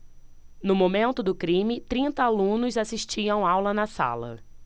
no momento do crime trinta alunos assistiam aula na sala